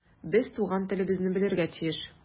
Без туган телебезне белергә тиеш.